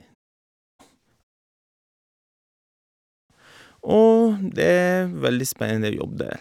Og det veldig spennende jobb der.